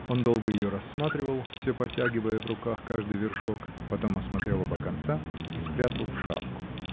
Он долго ее рассматривал, всё потягивая в руках каждый вершок, потом осмотрел оба конца и спрятал в шапку.